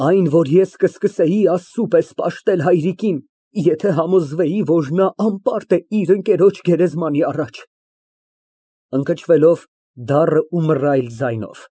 Այն, որ ես կսկսեի Աստծու պես պաշտել հայրիկին, եթե համոզվեի, որ նա անպարտ է իր ընկերոջ գերեզմանի առաջ։ (Ընկճվելով, դառն ու մռայլ ձայնով)։